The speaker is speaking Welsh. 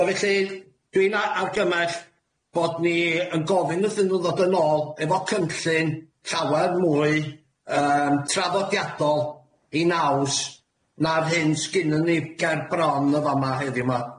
So felly dwi'n a- argymell bod ni yn gofyn wrthyn n'w ddod yn ôl efo cynllun llawer mwy yym traddodiadol'i naws na'r hyn 'sgynnon ni ger bron yn fa'ma heddiw 'ma.